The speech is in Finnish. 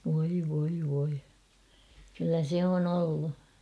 voi voi voi kyllä se on ollut